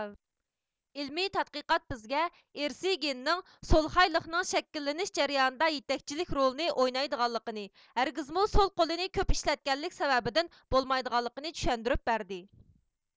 ئىلمىي تەتقىقات بىزگە ئىرسىي گېننىڭ سولخايلىقنىڭ شەكىللىنىش جەريانىدا يېتەكچىلىك رولىنى ئوينايدىغانلىقىنى ھەرگىزمۇ سول قولىنى كۆپ ئىشلەتكەنلىك سەۋەبىدىن بولمايدىغانلىقىنى چۈشەندۈرۈپ بەردى